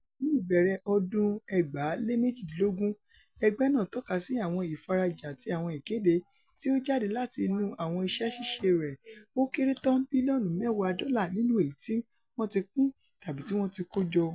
Ní ìbẹ̀rẹ̀ ọdún 2018, ẹgbẹ́ náà tọ́kasí àwọn ìfarajin àti àwọn ìkéde tí ó jáde láti inu àwọn iṣẹ́ ṣíṣe rẹ̀, ó kéré tán bílíọ̀nù mẹ́wàá dọ́là nínú èyití wọ́n ti pín tàbí tíwọn ti kójọ.